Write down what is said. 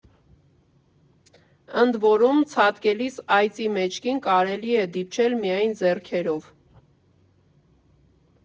Ընդ որում, ցատկելիս «այծի» մեջքին կարելի է դիպչել միայն ձեռքերով։